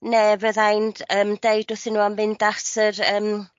ne' fydda i'n yym deud wrthyn n'w am fynd at yr yym